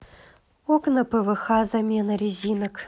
окна пвх замена резинок